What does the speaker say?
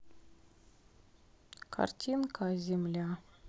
картинка о земля